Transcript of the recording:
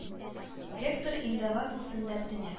Ректор инДәва булсын дәртеңә